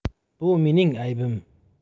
bu mening aybim